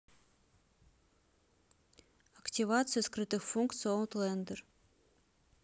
активация скрытых функций outlander